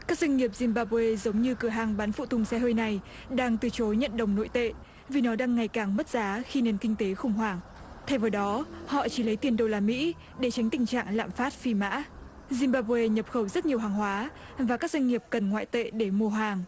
các doanh nghiệp dim ba bu ê giống như cửa hàng bán phụ tùng xe hơi này đang từ chối nhận đồng nội tệ vì nó đang ngày càng mất giá khi nền kinh tế khủng hoảng thay vào đó họ chỉ lấy tiền đô la mỹ để tránh tình trạng lạm phát phi mã dim ba bu ê nhập khẩu rất nhiều hàng hóa và các doanh nghiệp cần ngoại tệ để mua hàng